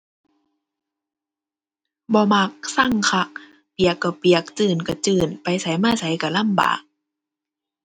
บ่มัก ซังคัก เปียกก็เปียก จื้นก็จื้น ไปไสมาไสก็ลำบาก